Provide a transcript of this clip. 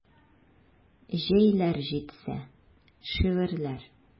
Җәйләр җитсә: шигырьләр.